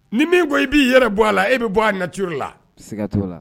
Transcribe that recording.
Ni min ko i b'i yɛrɛ bɔ a la e bɛ bɔ a nari la